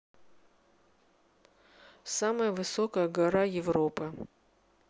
самая высокая гора европы